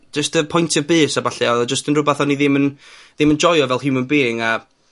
...jyst y pointio bys a ballu. A odd e jyst yn rwbath o'n i ddim yn ddim yn joio fel human being a